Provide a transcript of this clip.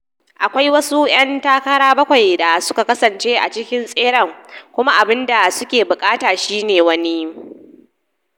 "Akwai wasu 'yan takara bakwai da suka kasance a cikin tseren, kuma abin da suke bukata shi ne wani.